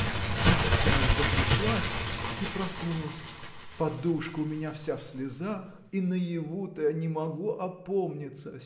Я так вся и затряслась – и проснулась. Подушка у меня вся в слезах и наяву-то не могу опомниться